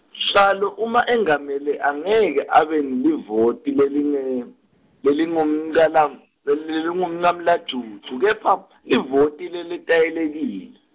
sihlalo uma engamele angeke abe nelivoti lelinge, lelingumncalam-, lelingumncamlajucu, kepha livoti leletayelekile.